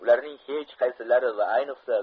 ularning hech qaysilari va ayniqsa